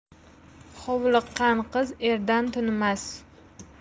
hovliqqan qiz erdan tinmas